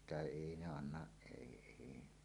sitä ei ne anna ei ei